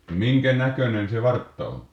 minkä näköinen se vartta on